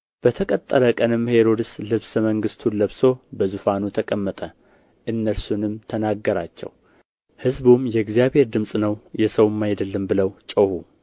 በተቀጠረ ቀንም ሄሮድስ ልብሰ መንግሥቱን ለብሶ በዙፋን ተቀመጠ እነርሱንም ተናገራቸው ሕዝቡም የእግዚአብሔር ድምፅ ነው የሰውም አይደለም ብለው ጮኹ